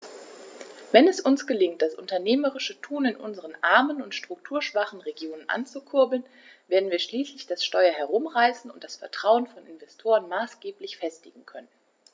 Wenn es uns gelingt, das unternehmerische Tun in unseren armen und strukturschwachen Regionen anzukurbeln, werden wir schließlich das Steuer herumreißen und das Vertrauen von Investoren maßgeblich festigen können.